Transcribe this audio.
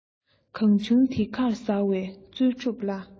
གང བྱུང དེ གར ཟ བས རྩོལ སྒྲུབ སླ